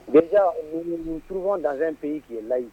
Maintenant nous nous nous trouvons dans un pays qui est laïque